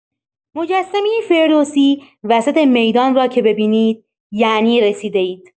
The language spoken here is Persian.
مجسمه فردوسی وسط میدان را که ببینید، یعنی رسیده‌اید.